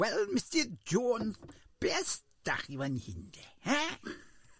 Wel, Missus Jones, be' stach chi fan hyn te, eh?